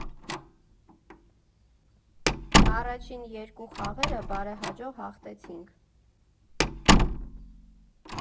Առաջին երկու խաղերը բարեհաջող հաղթեցինք։